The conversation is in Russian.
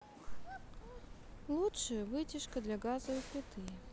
лучшая вытяжка для газовой плиты